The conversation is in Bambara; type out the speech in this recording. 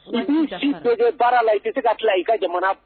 I si donso baara la i tɛ se ka tila i ka jamana